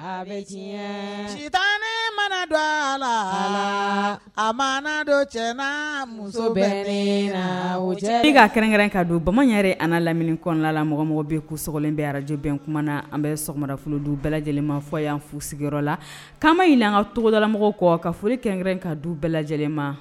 Mana don a la a mana don cɛ na muso bɛ la ka kɛrɛnkɛrɛn ka don bamanan an laminikla la mɔgɔmɔgɔ bɛ ko sogolen bɛ arajobɛn kuma na an bɛ sɔgɔmarafolo du bɛɛ lajɛlenma fɔ y' an fu sigiyɔrɔ la kaana jira ka cogogodalamɔgɔ kɔ ka foli kɛrɛnkɛrɛn ka du bɛɛ lajɛlenma